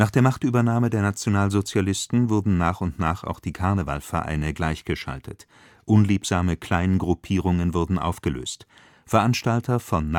der Machtübernahme der Nationalsozialisten wurden nach und nach auch die Karnevalvereine gleichgeschaltet. Unliebsame Kleingruppierungen wurden aufgelöst. Veranstalter von